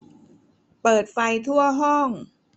เปิดไฟทั่วห้อง